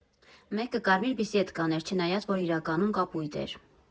Մեկը կարմիր բեսեդկան էր, չնայած որ իրականում կապույտ էր։